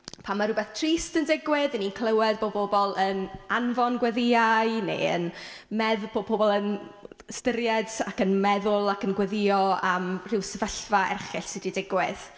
Pan ma' rywbeth trist yn digwydd 'y ni'n clywed bod bobl yn anfon gweddïau neu yn medd-... bod pobl yn ystyried ac yn meddwl ac yn gweddïo am ryw sefyllfa erchyll sy 'di digwydd.